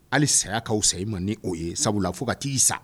Hali saya k' fisa i man ni o ye sabula fo ka t'i sa